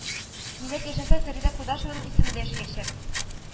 Милләт яшәсә, Фәридә Кудашеваның исеме дә яшәячәк